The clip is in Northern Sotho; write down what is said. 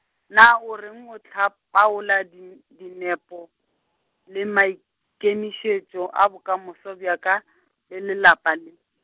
naa o reng o hlapaola din-, dinepo, le maikemišetšo a bokamoso bjaka , le le lapa le.